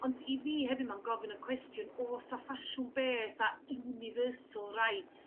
ond i fi hefyd ma'n gofyn y cwestiwn osa ffasiwn beth a universal rights